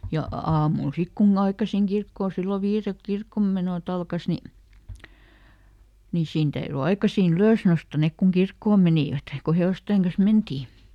ja aamulla sitten kun aikaisin kirkkoon silloin viideltä kirkonmenot alkoi niin niin siinä täytyi aikaisin ylös nousta ne kun kirkkoon menivät kun hevosten kanssa mentiin